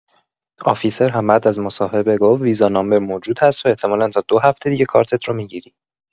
آفیسر هم بعد از مصاحبه گفت ویزا نامبر موجود هست و احتمالا تا دو هفته دیگه کارتت رو می‌گیری.